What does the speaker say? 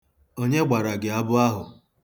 Onye gbara gị abụ ahụ?